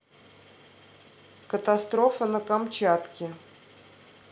катастрофа на камчатке